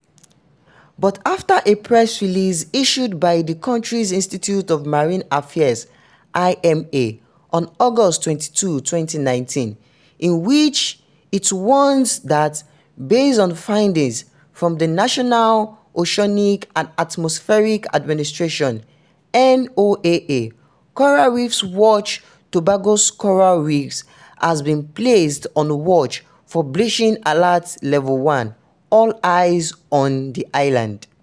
But after a press release issued by the country's Institute of Marine Affairs (IMA) on August 22, 2019, in which it warned that — based on findings from the National Oceanic and Atmospheric Administration's (NOAA) Coral Reef Watch — Tobago's coral reefs have been placed on a watch for "Bleaching Alert Level One", all eyes are on the island.